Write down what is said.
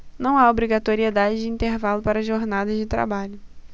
não há obrigatoriedade de intervalo para jornadas de trabalho